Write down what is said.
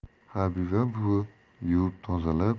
habiba buvi yuvib tozalab